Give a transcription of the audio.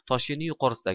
toshkentning yuqorisidagi